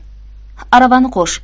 aravani qo'sh